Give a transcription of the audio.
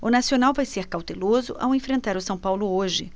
o nacional vai ser cauteloso ao enfrentar o são paulo hoje